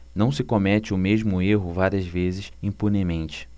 não se comete o mesmo erro várias vezes impunemente